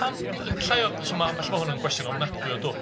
Pam... g- g- allai ofyn... so mae ella bod hwn yn gwestiwn ofnadwy o dwp.